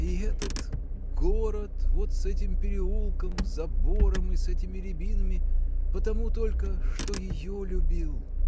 и этот город, вот с этим переулком, забором и с этими рябинами — потому только — что ее любил!